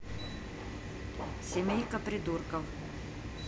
семейка придурков